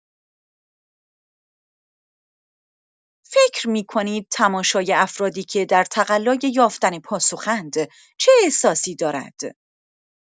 فکر می‌کنید تماشای افرادی که در تقلای یافتن پاسخ‌اند چه احساسی دارد؟